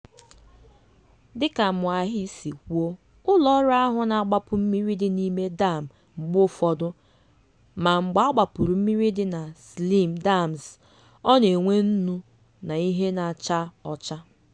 Dịka Moahi si kwuo, ụlọọrụ ahụ na-agbapụ mmiri dị n'ime dam mgbe ụfọdụ, ma mgbe a gbapụrụ mmiri dị na slime dams, ọ na-enwe nnu na ihe na-acha ọcha.